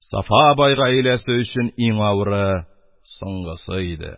Сафа бай гаиләсе өчен иң авыры — соңгысы иде.